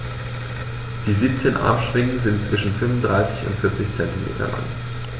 Die 17 Armschwingen sind zwischen 35 und 40 cm lang.